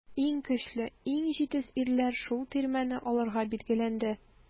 Иң көчле, иң җитез ирләр шул тирмәне алырга билгеләнде.